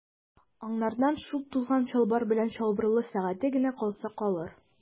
Аңардан шул тузган чалбар белән чылбырлы сәгате генә калса калыр.